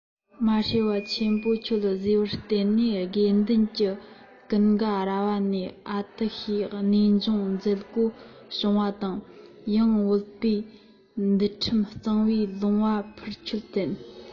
མ ཧྲི པ ཆེན པོ ཁྱོད བཟོས པར བརྟེན ནས དགེ འདུན གྱི ཀུན དགའ རྭ བ ནས ཨ ཏི ཤས གནས འབྱུང མཛད དགོས བྱུང བ དང ཡང བིརྺ པས འདུལ འཁྲིམས གཙང བའི ལུང པའི ཕུར ཁྱོད རྟེན